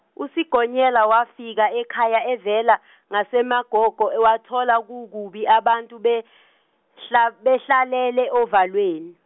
uSigonyela wafika ekhaya evela, ngaseMagogo wathola kukubi abantu behla- behlalele ovalweni.